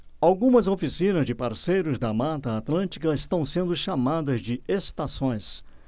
algumas oficinas de parceiros da mata atlântica estão sendo chamadas de estações